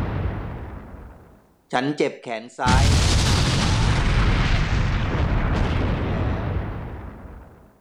ฉันเจ็บแขนซ้ายและขาขวาที่เกิดจากรถชนเมื่ออาทิตย์ที่แล้ว